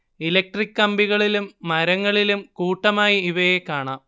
electric കമ്പികളിലും മരങ്ങളിലും കൂട്ടമായി ഇവയെ കാണാം